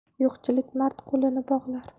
yo'qchilik mard qo'lini bog'lar